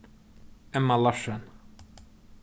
emma larsen